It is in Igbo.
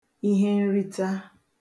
ihenrita